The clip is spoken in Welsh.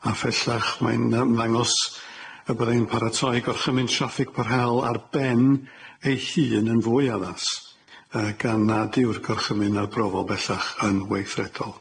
A' fellach mae'n ymangos y byddai'n paratoi gorchymyn traffig parhaol ar ben ei hun yn fwy addas yy gan nad yw'r gorchymyn arbrofol bellach yn weithredol.